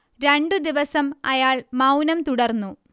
രണ്ടു ദിവസം അയാൾ മൗനം തുടർന്നു